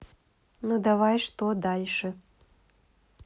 ну давай что дальше